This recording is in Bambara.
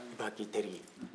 i b'a ki tɛriye